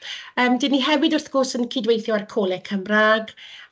yym dan ni hefyd wrth gwrs yn cydweithio â'r Coleg Cymraeg.